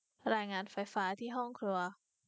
รายงานไฟฟ้าที่ห้องครัว